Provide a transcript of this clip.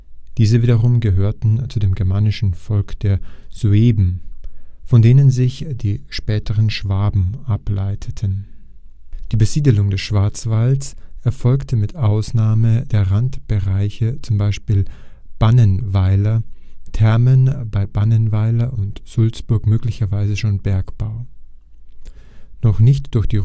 Diese wiederum gehörten zu dem germanischen Volk der Sueben, von denen sich die späteren Schwaben ableiteten. Die Besiedlung des Schwarzwalds erfolgte mit Ausnahme der Randbereiche (zum Beispiel Badenweiler: Thermen, bei Badenweiler und Sulzburg möglicherweise schon Bergbau) noch nicht durch die